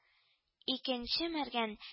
Икенче мәргән